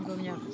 juróom-ñaar fukk